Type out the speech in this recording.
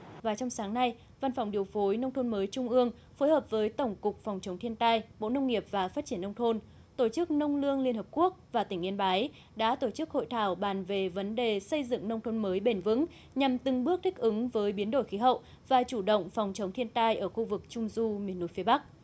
và trong sáng nay văn phòng điều phối nông thôn mới trung ương phối hợp với tổng cục phòng chống thiên tai bộ nông nghiệp và phát triển nông thôn tổ chức nông lương liên hợp quốc và tỉnh yên bái đã tổ chức hội thảo bàn về vấn đề xây dựng nông thôn mới bền vững nhằm từng bước thích ứng với biến đổi khí hậu và chủ động phòng chống thiên tai ở khu vực trung du miền núi phía bắc